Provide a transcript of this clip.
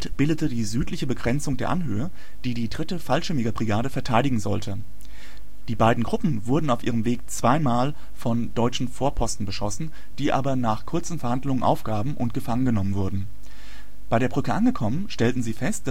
bildete die südliche Begrenzung der Anhöhe, die die 3. Fallschirmjägerbrigade verteidigen sollte. Die beiden Gruppen wurden auf ihrem Weg zweimal von deutschen Vorposten beschossen, die aber nach kurzen Verhandlungen aufgaben und gefangen genommen wurden. Bei der Brücke angekommen, stellten sie fest